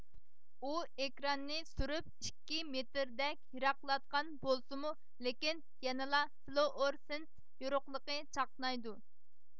ئۇ ئېكراننى سۈرۈپ ئىككى مېتىردەك يىراقلاتقان بولسىمۇ لېكىن يەنىلا فلۇئورسېنت يورۇقلۇقى چاقنايدۇ